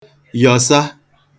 yọ̀sa